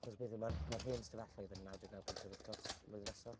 Achos y peth yw, mae mae'r hen stafelloedd yn naw deg naw punt yr wythnos flwyddyn nesa.